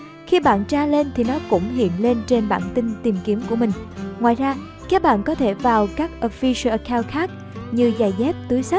tuy nhiên khi bạn tra lên thì nó cũng hiện lên trên bảng tin tìm kiếm của các bạn ngoài ra các bạn có thể vào các official account khác như giày dép túi xách